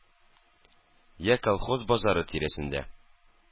Йә колхоз базары тирәсендә